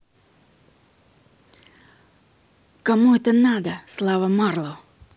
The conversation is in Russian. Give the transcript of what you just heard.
кому это надо слава мэрлоу